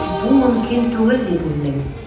Бу мөмкин дип уйлыйм.